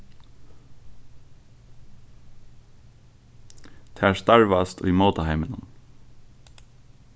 tær starvast í mótaheiminum